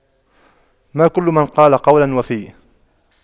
ما كل من قال قولا وفى